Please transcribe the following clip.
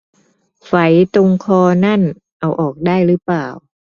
ไฝตรงคอนั่นเอาออกได้รึเปล่า